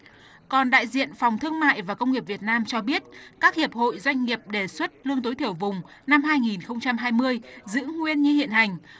còn đại diện phòng thương mại và công nghiệp việt nam cho biết các hiệp hội doanh nghiệp đề xuất lương tối thiểu vùng năm hai nghìn không trăm hai mươi giữ nguyên như hiện hành